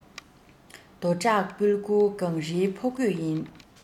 རྡོ བྲག སྤྲུལ སྐུ གངས རིའི ཕོ རྒོད ཡིན